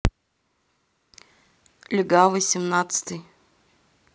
легавый семнадцатый